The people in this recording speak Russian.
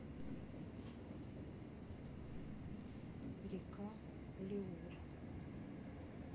река леур